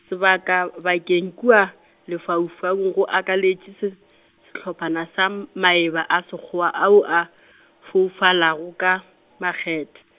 sebakabakeng kua, lefaufaung go akaletše se, sehlophana sa m- maeba a Sekgowa ao a , foufalago ka, makgethe.